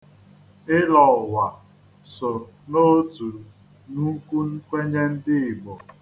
Ịlọ ụwa so n'otu nnukwu nkwenye ndị Igbo.